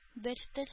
Бертөр